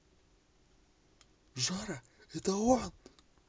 жора это он